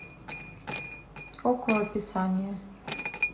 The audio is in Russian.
okko описание